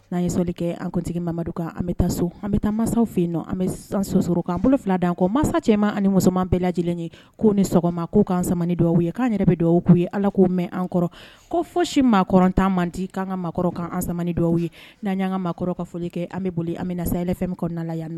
N'an ye soli kɛ an kuntigi mamadu kan an bɛ taa so an bɛ taa masaw fɛ yen nɔ an bɛ san soso'an bolo fila dan an kɔ mansa cɛman ani ni musoman bɛɛ la lajɛlen ye ko ni sɔgɔma'u kansamani dɔw aw ye k'an yɛrɛ bɛ dugawu aw ye ala k'o mɛn an kɔrɔ ko fɔ si maaɔrɔntan man di k'an ka maakɔrɔ kanansamani dɔw aw ye n'an'an ka maakɔrɔ ka foli kɛ an bɛ boli an bɛ na fɛn min yan